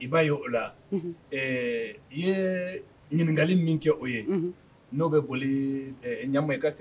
I b'a ye o la ɛɛ i ye ɲininkakali min kɛ o ye n'o bɛ boli ɲa ye ka segin